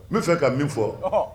N b bɛ fɛ ka min fɔ